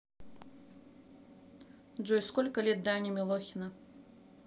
джой сколько лет дани милохина